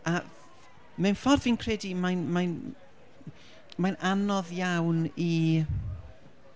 A f- f- mewn ffordd fi'n credu mae- mae'n mae'n anodd iawn i ...